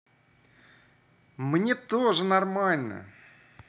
мне тоже нормально